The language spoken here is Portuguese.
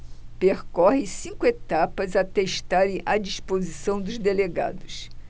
percorrem cinco etapas até estarem à disposição dos delegados